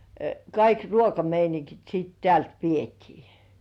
kaikki ruokameiningit sitten täältä vietiin